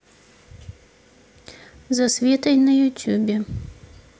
за светой на ютубе